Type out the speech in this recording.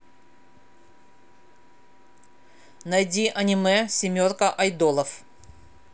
найди аниме семерка айдолов